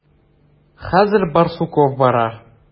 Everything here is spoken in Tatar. Хәзер Барсуков бара.